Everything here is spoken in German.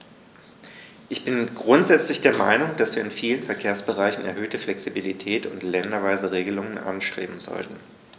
Ich bin grundsätzlich der Meinung, dass wir in vielen Verkehrsbereichen erhöhte Flexibilität und länderweise Regelungen anstreben sollten.